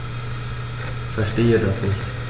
Verstehe das nicht.